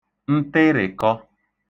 ntịrị̀kọ